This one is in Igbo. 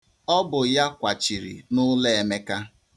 Ọ bụ ya kwachiri n'ụlọ Emeka.